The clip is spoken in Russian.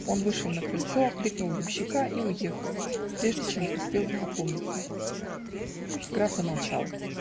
он вышел на крыльцо, кликнул ямщика и уехал, прежде чем успел я опомниться". Граф замолчал.